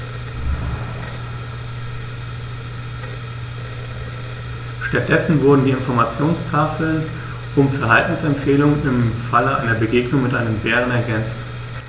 Stattdessen wurden die Informationstafeln um Verhaltensempfehlungen im Falle einer Begegnung mit dem Bären ergänzt.